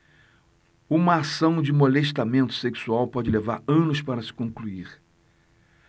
uma ação de molestamento sexual pode levar anos para se concluir